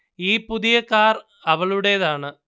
ഈ പുതിയ കാർ അവളുടെതാണ്